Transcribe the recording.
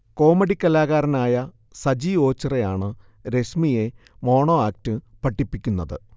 comedy കലാകാരനായ സജി ഓച്ചിറയാണ് രശ്മിയെ മോണോ ആക്ട് പഠിപ്പിക്കുന്നത്